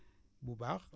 bu baax